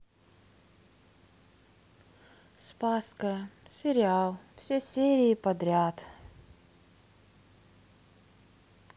спасская сериал все серии подряд